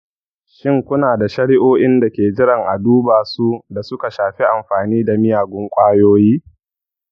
shin kuna da shari'o'in da ke jiran a duba su da suka shafi amfani da miyagun ƙwayoyi?